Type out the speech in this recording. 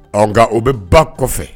Ɔ nka o bɛ ba kɔfɛ